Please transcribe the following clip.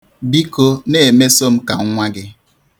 Biko, na-emeso m ka nwa gị.